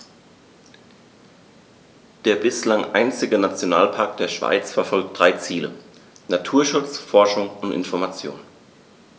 Der bislang einzige Nationalpark der Schweiz verfolgt drei Ziele: Naturschutz, Forschung und Information.